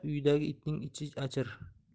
uydagi itning ichi achir